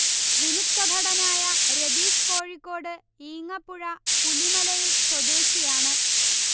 വിമുക്ത ഭടനായ രതീഷ് കോഴിക്കോട് ഈങ്ങപ്പുഴ പുലിമലയിൽ സ്വദേശിയാണ്